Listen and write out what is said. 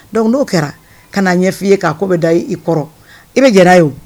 Don dɔ kɛra ka'a ɲɛ' i ye' ko bɛ da i i kɔrɔ i bɛ g a ye